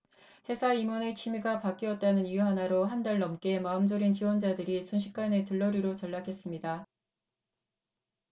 회사 임원의 취미가 바뀌었다는 이유 하나로 한 달 넘게 마음 졸인 지원자들이 순식간에 들러리로 전락했습니다